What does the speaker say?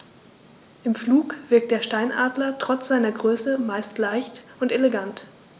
Im Flug wirkt der Steinadler trotz seiner Größe meist sehr leicht und elegant.